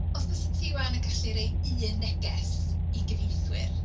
Os bysa ti 'wan yn gallu rhoi un neges i gyfeithwyr?